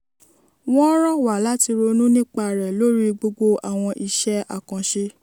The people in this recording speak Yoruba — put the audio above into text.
"Wọ́n rọ̀ wá láti ronú nípa rẹ̀ lórí gbogbo àwọn iṣẹ́ àkànṣe.